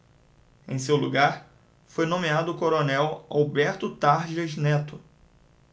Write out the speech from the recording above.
em seu lugar foi nomeado o coronel alberto tarjas neto